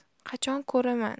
qachon ko'raman